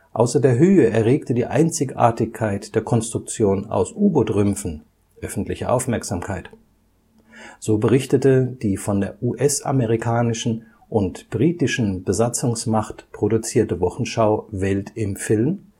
Höhe erregte die Einzigartigkeit der Konstruktion aus U-Boot-Rümpfen öffentliche Aufmerksamkeit. So berichtete die von der US-amerikanischen und britischen Besatzungsmacht produzierte Wochenschau Welt im Film